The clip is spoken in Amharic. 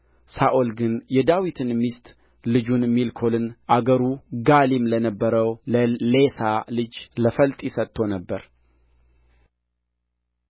ሳኦል ግን የዳዊትን ሚስት ልጁን ሜልኮልን አገሩ ጋሊም ለነበረው ለሌሳ ልጅ ለፈልጢ ሰጥቶ ነበር